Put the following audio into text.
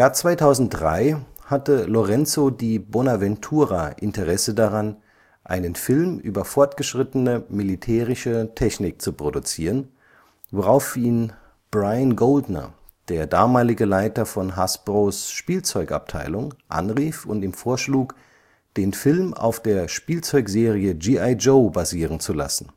2003 hatte Lorenzo di Bonaventura Interesse daran, einen Film über fortgeschrittene militärische Technik zu produzieren, woraufhin ihn Brian Goldner, der damalige Leiter von Hasbros Spielzeugabteilung, anrief und ihm vorschlug, den Film auf der Spielzeugserie G.I. Joe basieren zu lassen